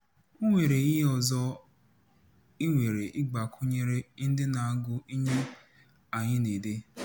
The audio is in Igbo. O nwere ihe ọzọ ị nwere ịgbakwunyere ndị na-agụ ihe anyị na-ede?